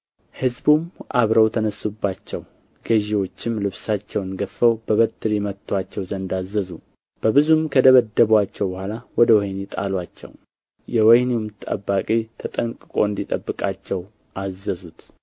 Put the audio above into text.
ሕዝቡም አብረው ተነሡባቸው ገዢዎቹም ልብሳቸውን ገፈው በበትር ይመቱአቸው ዘንድ አዘዙ በብዙም ከደበደቡአቸው በኋላ ወደ ወኅኒ ጣሉአቸው የወኅኒውንም ጠባቂ ተጠንቅቆ እንዲጠብቃቸው አዘዙት